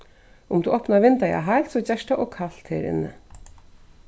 um tú opnar vindeygað heilt so gerst tað ov kalt her inni